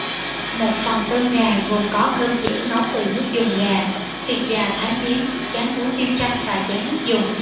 một phần cơm gà gồm có cơm dẻo nấu từ nước dùng gà thịt gà thái miếng chén muối tiêu chanh và chén nước dùng